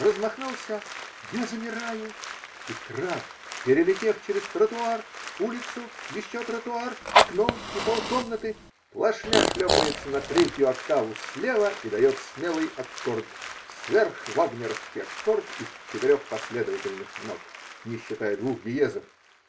Размахнулся -- я замираю -- и краб, перелетев через тротуар, улицу, еще тротуар, окно и полкомнаты, плашмя шлепается на третью октаву слева и дает смелый аккорд, сверхвагнеровский аккорд из четырех последовательных нот, не считая двух диезов.